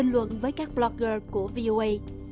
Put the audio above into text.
bình luận với các bò lóc gơ của vi ô ây